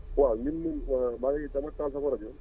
waaw ñun maa ngi da ma taal sama rajo